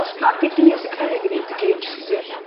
Os nad 'di Dees yn cyfri 'da fi un deg un Gee See Ess Eee.